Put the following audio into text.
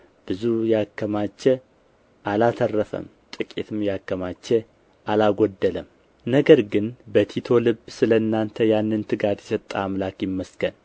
ብዙ ያከማቸ አላተረፈም ጥቂትም ያከማቸ አላጎደለም ነገር ግን በቲቶ ልብ ስለ እናንተ ያንን ትጋት የሰጠ አምላክ ይመስገን